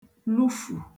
lufù